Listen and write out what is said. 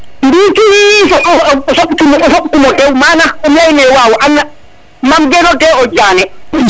ndiki i soɓu soɓ kumo tew mana im leyne waaw an man gene te o Diane